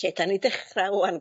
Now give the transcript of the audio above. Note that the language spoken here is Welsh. Lle 'dan ni dechra rŵan...